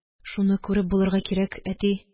Шуны күреп булырга кирәк, әти